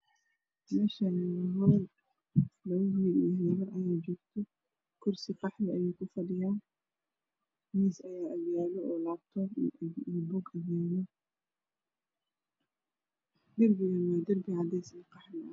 Meeshaan waa hool labo wil ayaa joogta kursi qaxwi ayey ku fadhiyaan miis ayaa agyaalo laabtoon iyo buug darbigana waa darbi cadays oo qaxwi